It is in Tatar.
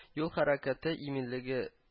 Юл хәрәкәте иминлеге